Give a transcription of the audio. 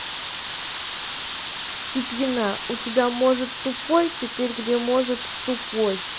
ты пьяна у тебя может тупой теперь где может тупой